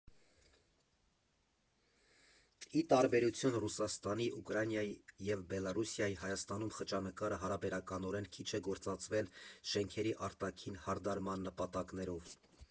Ի տարբերություն Ռուսաստանի, Ուկրաինայի և Բելոռուսիայի՝ Հայաստանում խճանկարը հարաբերականորեն քիչ է գործածվել շենքերի արտաքին հարդարման նպատակներով։